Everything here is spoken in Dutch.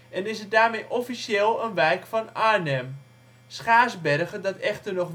en is het daarmee officeel een wijk van Arnhem. Schaarsbergen dat echter